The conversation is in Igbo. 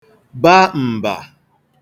bà m̀bà